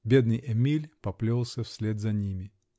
Бедный Эмиль поплелся вслед за ними.